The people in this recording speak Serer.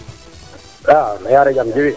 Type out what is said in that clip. waaw i yaare jam Djiby